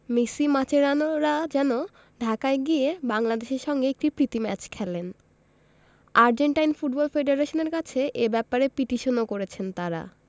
Messi মাচেরানোরা যেন ঢাকায় গিয়ে বাংলাদেশের সঙ্গে একটি প্রীতি ম্যাচ খেলেন আর্জেন্টাইন ফুটবল ফেডারেশনের কাছে এ ব্যাপারে পিটিশনও করেছেন তাঁরা